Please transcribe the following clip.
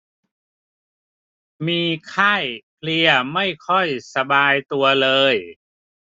มีไข้เพลียไม่ค่อยสบายตัวเลย